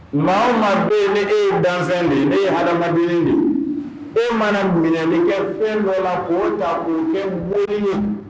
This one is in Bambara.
Maao maa bɛ yen, e ye dan fɛn de ye, e ye adamaden de ye, e mana minɛli kɛ fɛn dɔ la k'o ta ko kɛ boli ye